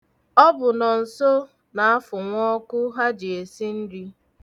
Ọ bụ Nọnso na-afunwu ọkụ ha ji esi nri.